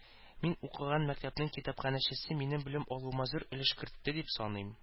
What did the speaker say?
Мин укыган мәктәпнең китапханәчесе минем белем алуыма зур өлеш кертте дип саныйм